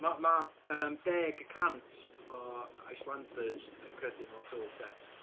Ma' ma', yym, deg y cant o Icelanders yn credu mewn tylwyth teg.